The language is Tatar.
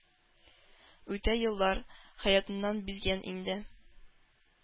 Үтә еллар... Хәятыннан бизгән инде..